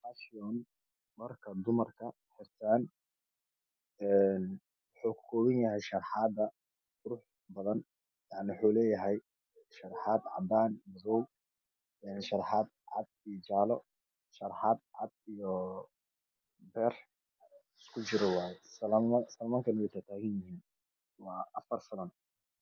Fashion dharka dumarka ay xirtaan een wuxuu ka kooban yahay sharxaada quruxbadan yacnii wuxuu leeyahay sharxaad cadaan, madow iyo sharxaad cad iyo jaallo iyo sharxaad cad iyo feer isku jiro waaye, salaman, salamanka wey taataagan yihiin, waa afar salan.